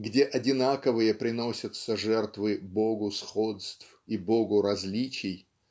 где одинаковые приносятся жертвы Богу сходств и Богу различий